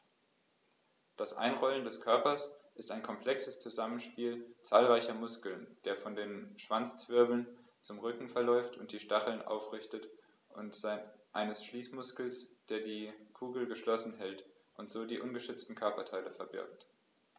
Das Einrollen des Körpers ist ein komplexes Zusammenspiel zahlreicher Muskeln, der von den Schwanzwirbeln zum Rücken verläuft und die Stacheln aufrichtet, und eines Schließmuskels, der die Kugel geschlossen hält und so die ungeschützten Körperteile verbirgt.